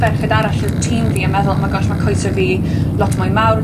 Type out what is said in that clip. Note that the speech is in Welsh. ferched arall y tîm fi a meddwl oh my gosh ma' coesau fi lot mwy mawr